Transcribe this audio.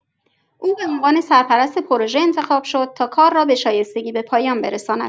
او به عنوان سرپرست پروژه انتخاب شد تا کار را به شایستگی به پایان برساند.